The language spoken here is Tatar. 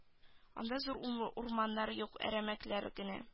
Анда зур урманнар юк әрәмәлекләр генә